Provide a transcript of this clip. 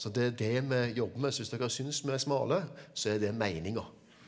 så det er det vi jobber med så hvis dere synes vi er smale så er det meininga.